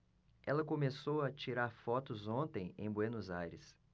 ela começou a tirar fotos ontem em buenos aires